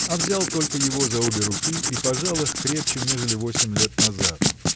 а взял только его за обе руки и пожал их крепче нежели восемь лет назад.